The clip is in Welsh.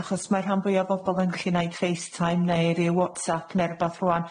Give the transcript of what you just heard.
Achos mae rhan fwya o bobol yn gallu neud FaceTime neu ryw WhatsApp ne' rwbath rŵan.